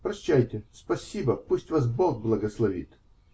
Прощайте, спасибо, пусть вас Бог благословит!